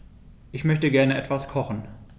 Ich möchte gerne etwas kochen.